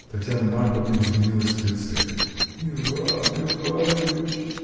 Татьяна Марковна изменилась в лице. — Иван Иванович!